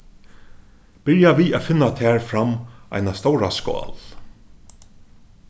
byrja við at finna tær fram eina stóra skál